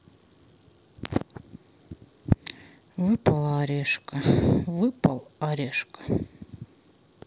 выпала орешка выпал орешка